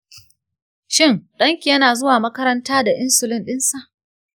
shin ɗanki yana zuwa makaranta da insulin dinsa?